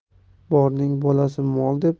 borning bolasi mol deb